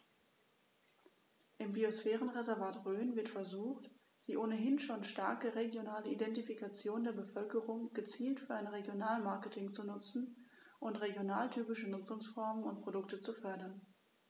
Im Biosphärenreservat Rhön wird versucht, die ohnehin schon starke regionale Identifikation der Bevölkerung gezielt für ein Regionalmarketing zu nutzen und regionaltypische Nutzungsformen und Produkte zu fördern.